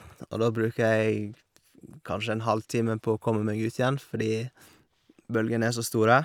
Og da bruker jeg kanskje en halvtime på å komme meg ut igjen fordi bølgene er så store.